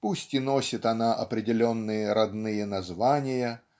пусть и носит она определенные родные названия